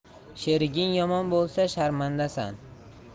sheriging yomon bo'lsa sharmandasan